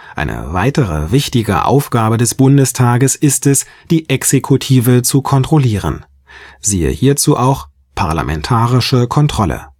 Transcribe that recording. Eine weitere wichtige Aufgabe des Bundestages ist es, die Exekutive zu kontrollieren. Siehe Parlamentarische Kontrolle